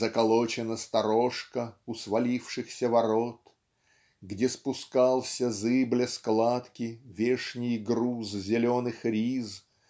Заколочена сторожка У свалившихся ворот. Где спускался зыбля складки Вешний груз зеленых риз